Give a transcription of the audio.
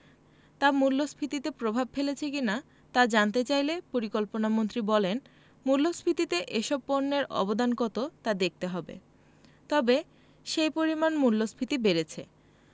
তা মূল্যস্ফীতিতে প্রভাব ফেলছে কি না তা জানতে চাইলে পরিকল্পনামন্ত্রী বলেন মূল্যস্ফীতিতে এসব পণ্যের অবদান কত তা দেখতে হবে তবে সেই পরিমাণ মূল্যস্ফীতি বেড়েছে